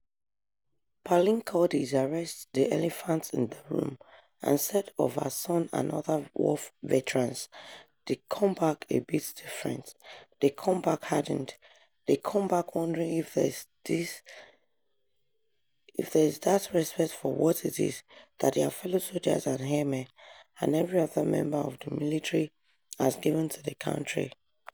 Palin called his arrest "the elephant in the room" and said of her son and other war veterans, "they come back a bit different, they come back hardened, they come back wondering if there is that respect for what it is that their fellow soldiers and airmen, and every other member of the military, has given to the country."